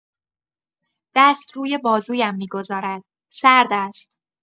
دست روی بازویم می‌گذارد، سرد است.